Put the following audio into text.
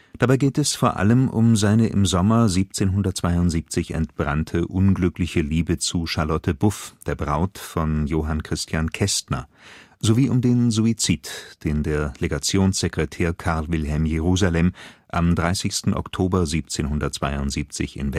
Dabei geht es vor allem um seine im Sommer 1772 entbrannte unglückliche Liebe zu Charlotte Buff, der Braut von Johann Christian Kestner, sowie um den Suizid, den der Legationssekretär Karl Wilhelm Jerusalem am 30. Oktober 1772 in